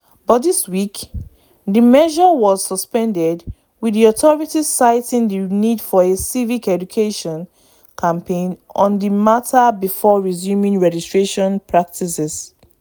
But this week, the measure was suspended, with authorities citing the need for a “civic education” campaign on the matter before resuming registration practices.